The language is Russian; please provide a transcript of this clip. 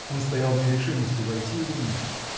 Он стоял в нерешимости — войти или нет.